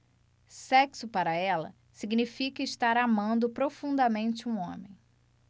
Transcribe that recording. sexo para ela significa estar amando profundamente um homem